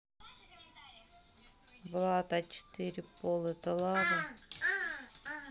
влад а четыре пол это лава